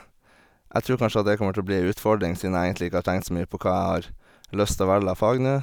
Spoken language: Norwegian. Jeg trur kanskje at det kommer til å bli ei utfordring siden jeg egentlig ikke har tenkt så mye på hva jeg har lyst til å velge av fag nå.